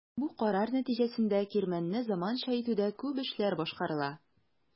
Бу карар нәтиҗәсендә кирмәнне заманча итүдә күп эшләр башкарыла.